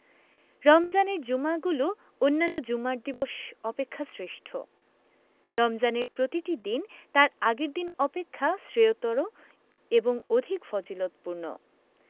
রমজানের জুমাগুলো অন্যান্য জুমার দিবস অপেক্ষা শ্রেষ্ঠ রমজানের প্রতিটি দিন তার আগের দিন অপেক্ষা শ্রেয়তর এবং অধিক ফজিলতপূর্ণ